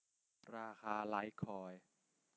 ราคาไลท์คอยน์